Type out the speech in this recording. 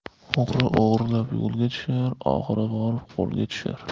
o'g'ri o'g'irlab yo'lga tushar oxiri borib qo'lga tushar